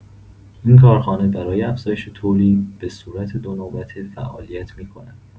این کارخانه برای افزایش تولید، به صورت دونوبته فعالیت می‌کند.